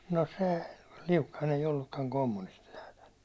no se Liukkanen ei ollutkaan kommunisti näethän